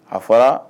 A fɔra